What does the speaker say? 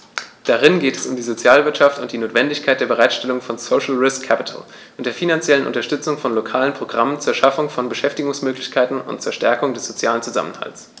Darin geht es um die Sozialwirtschaft und die Notwendigkeit der Bereitstellung von "social risk capital" und der finanziellen Unterstützung von lokalen Programmen zur Schaffung von Beschäftigungsmöglichkeiten und zur Stärkung des sozialen Zusammenhalts.